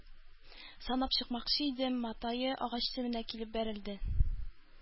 Санап чыкмакчы иде, матае агач төбенә килеп бәрелде.